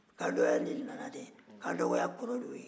kaadɔya de nana ten kaadɔya kɔrɔ de y'o ye